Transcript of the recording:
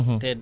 oui